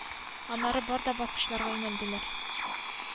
Аннары барда баскычларга юнәлделәр